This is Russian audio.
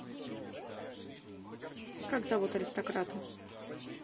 как зовут аристократа